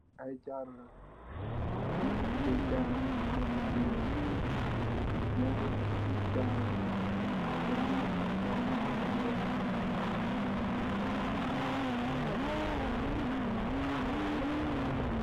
Aye jaruh la lu neka si birr jaruh bi dange ku geneh li jaruh la ta mungi nekah si kaw malan bu wekh